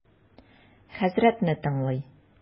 Хәзрәтне тыңлый.